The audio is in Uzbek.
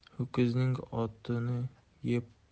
ho'kizning o'tini yeb